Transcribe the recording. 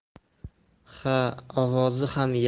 ha ovozi ham